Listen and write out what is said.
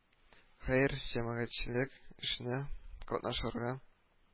Хәер, җәмәгатьчелек эшенә катнашырга